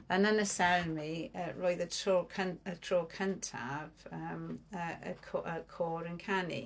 Ac yn y seremoni roedd y tro cyntaf, yym, y côr yn canu.